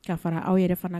Ka aw yɛrɛ fana